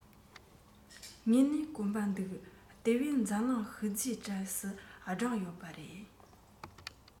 དངོས གནས དཀོན པོ འདུག དེ བས འཛམ གླིང ཤུལ རྫས གྲས སུ བསྒྲེངས ཡོད པ རེད